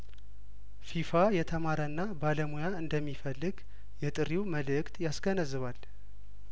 ፊፋ የተማረና ባለሙያእንደሚ ፈልግ የጥሪው መልእክት ያስገነዝባል